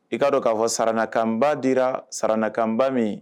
I k'a dɔn k'a fɔ saranakanba dira, saranakanba min